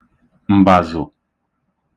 m̀bàzụ̀